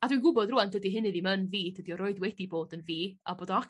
A dwi'n gwybod rŵan dydi hynny ddim yn fi dydi o 'roid wedi bod yn fi. A bod o...